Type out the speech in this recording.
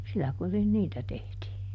sillä kurin niitä tehtiin